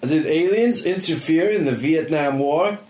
Did aliens interfere in the Vietnam War?